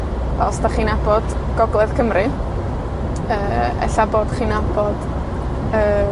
Os 'dach chi'n nabod gogledd Cymru, yy, ella bod chi'n nabod, yy